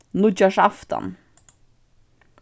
nýggjársaftan